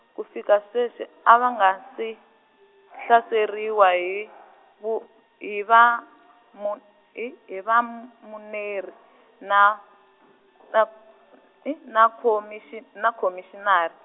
ku fika sweswi a va nga si, hlaseriwa hi vu-, hi va mun-, hi hi Vam- muneri na , na, hi na khomixi-, na Khomixinari.